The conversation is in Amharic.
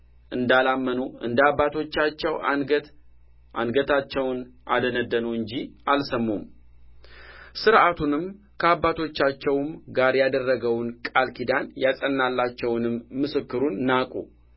እንዳላመኑ እንደ አባቶቻቸው አንገት አንገታቸውን አደነደኑ እንጂ አልሰሙም ሥርዓቱንም ከአባቶቻቸውም ጋር ያደረገውን ቃል ኪዳን ያጸናላቸውንም ምስክሩን ናቁ